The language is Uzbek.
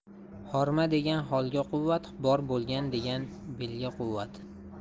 horma degan holga quvvat bor bo'l degan belga quvvat